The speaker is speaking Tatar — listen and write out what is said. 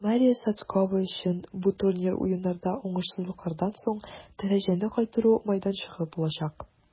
Мария Сотскова өчен бу турнир Уеннарда уңышсызлыклардан соң дәрәҗәне кайтару мәйданчыгы булачак.